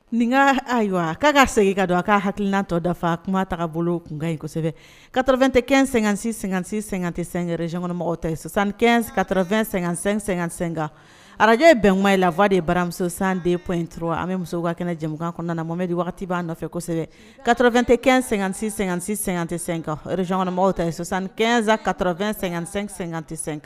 Nin ayiwa k'a ka segin ka don a ka hakili tɔ dafa kumataa bolo tunkan yen kosɛbɛ kara2tɛ kɛɛn---sɛ tɛsɛɛrɛ zgɔnmasan ka2-sɛ-sɛsɛka araj bɛnugan la waaa de baramuso sandenp in dɔrɔn an bɛ muso ka kɛnɛ jɛkan kɔnɔna na mɔmɛ bi waati b' nɔfɛsɛbɛ katora2 tɛɛn- sɛgɛnsɛ-sɛ tɛ senkare zɔnbagaw ta sɔsanɛnsan katara2--sɛ-sɛ tɛsɛ